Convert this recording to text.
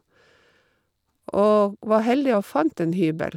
Og var heldig og fant en hybel.